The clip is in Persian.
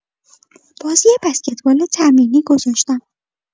بازی بسکتبال تمرینی گذاشتم.